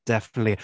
Definitely.